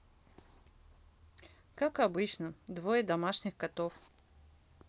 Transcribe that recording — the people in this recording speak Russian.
как обычно двое домашних коров